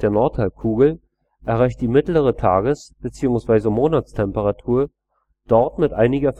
Nordhalbkugel erreicht die mittlere (Tages - bzw. Monats -) Temperatur dort mit einiger